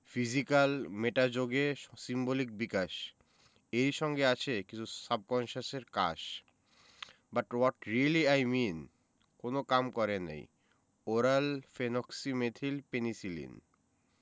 physical meta যোগে symbolic বিকাশ এর সঙ্গে আছে কিছু সাবকন্সাসের কাশ but what really I mean কোন কাম করে নাই ওরাল ফেনোক্সিমেথিল পেনিসিলিন